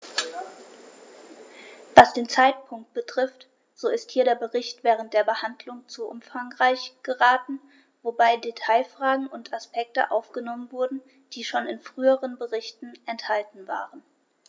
Was den Zeitpunkt betrifft, so ist hier der Bericht während der Behandlung zu umfangreich geraten, wobei Detailfragen und Aspekte aufgenommen wurden, die schon in früheren Berichten enthalten waren.